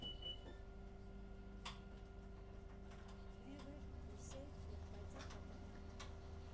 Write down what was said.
Մեղր, բույսեր և պայծառ ապագա։